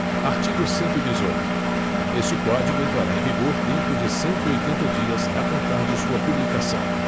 artigo cento e dezoito este código entrará em vigor dentro de cento e oitenta dias a contar de sua publicação